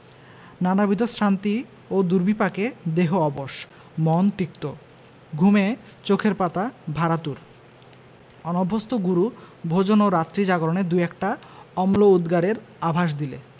নানাবিধ শ্রান্তি ও দুর্বিপাকে দেহ অবশ মন তিক্ত ঘুমে চোখের পাতা ভারাতুর অনভ্যস্ত গুরু ভোজন ও রাত্রি জাগরণে দু একটা অম্ল উদগারের আভাস দিলে